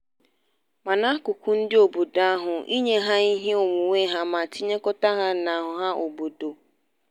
Ma n'akụkụ ndị obodo ahụ, inye ha ihe onwunwe ma tinyekọta ha n'ọhaobodo.